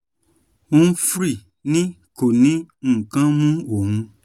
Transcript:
Humphreys ní ”Kò ní nǹkan mú òun,”